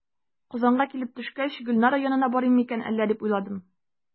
Казанга килеп төшкәч, "Гөлнара янына барыйм микән әллә?", дип уйландым.